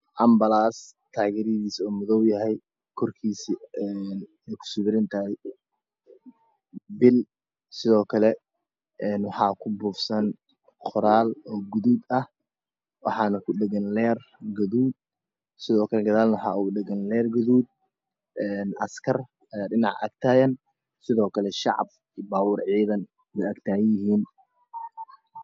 Ambalaas oo taagarahiisa oo madow yahay, kortiisa ay ku sawiran tahay bil sidoo kale waxaa ku buuxsan qoraal oo gaduud ah waxaana ku dhagax reer daguud, sidoo kale dadaalka waxaa ooga dhegan reer daguug, Askari dhinacna agtaadan sidoo kale shacabka iyo baabuur ciidan wey agtaadan yihiin.